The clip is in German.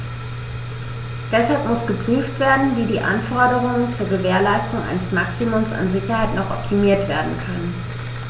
Deshalb muss geprüft werden, wie die Anforderungen zur Gewährleistung eines Maximums an Sicherheit noch optimiert werden können.